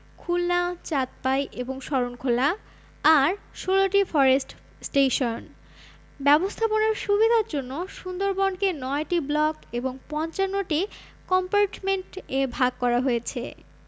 খুলনা চাঁদপাই এবং শরণখোলা আর ১৬টি ফরেস্ট স্টেশন ব্যবস্থাপনার সুবিধার জন্য সুন্দরবনকে নয়টি ব্লক এবং ৫৫টি কোম্পার্টমেন্ট এ ভাগ করা হয়েছে